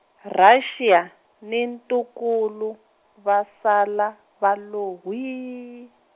Russia, ni ntukulu, va sala, va lo whii.